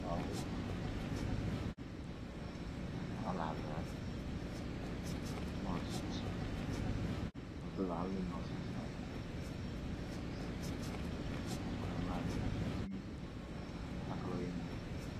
Baabur mooto wada Hal nin ijta kale xiran yihiin waxaa iiga muuqda labo